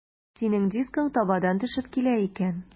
Синең дискың табадан төшеп килә икән.